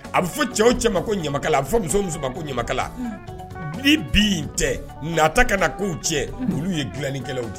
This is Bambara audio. A bɛ fɔ cɛ o cɛ ma ko ɲamakala, a bɛ fɔ muso o muso ma ko ɲamakala, ni bi in tɛ, unhun, nata ka na k'u cɛ, olu ye dilanikɛlaw de.